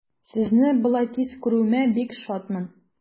Сезне болай тиз күрүемә бик шатмын.